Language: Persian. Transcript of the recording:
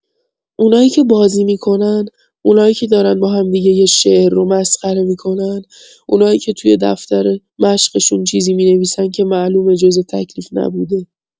اونایی که بازی می‌کنن، اونایی که دارن با همدیگه یه شعر رو مسخره می‌کنن، اونایی که توی دفتر مشقشون چیزی می‌نویسن که معلومه جزو تکلیف نبوده.